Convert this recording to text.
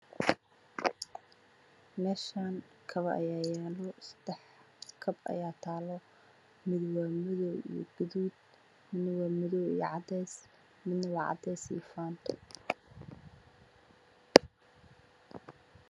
Meshan kabo ayaa yaalo sedax kab ayaa talo mid waa madow mid gaduud midna madow iyo cadeys midna wa cadeys iyo fanto